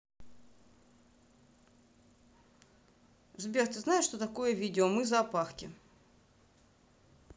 сбер ты знаешь что такое видео мы зоопарки